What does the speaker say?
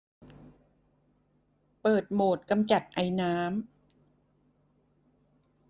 เปิดโหมดกำจัดไอน้ำ